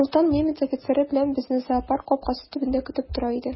Солтан немец офицеры белән безне зоопарк капкасы төбендә көтеп тора иде.